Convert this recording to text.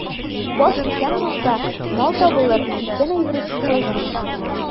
Баш исән булса, мал табылыр, киткән әйбер өчен кайгырмыйк.